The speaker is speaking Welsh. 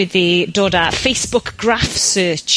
...i fi dod â Facebook graph search...